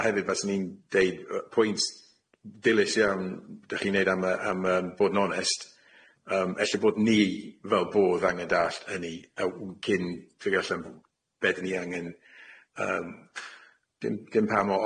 a hefyd faswn i'n deud yy pwynt dilys iawn dach chi'n neud am yy am yym bod yn onest yym ella bod ni fel bodd angan dallt hynny a w- cyn figro allan be' dyn ni angen yym dim dim pan mor